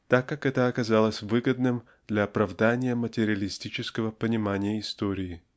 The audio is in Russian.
так как "то оказалось выгодным для оправдания материалистического понимания истории.